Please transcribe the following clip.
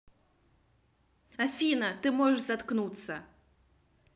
афина ты можешь заткнуться